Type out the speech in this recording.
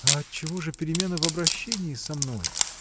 А отчего же перемена в обращении со мной?